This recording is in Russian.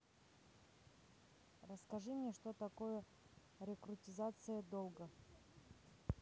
расскажи мне что такое реструктуризация долга